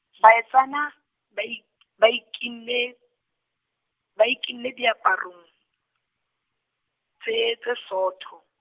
baetsana, ba I , ba IkInne, ba IkInne diaparong, tse tse Sotho.